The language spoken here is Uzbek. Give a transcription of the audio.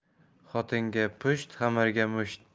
xotinga pusht xamirga musht